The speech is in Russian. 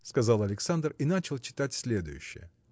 – сказал Александр и начал читать следующее